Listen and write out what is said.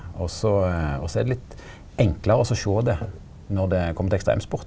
også også er det litt enklare også sjå det når det kjem til ekstremsport.